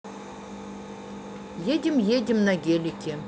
едем едем на гелике